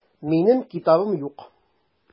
Минем китабым юк.